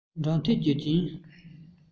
དྲས མཐུད བའི རྐྱེན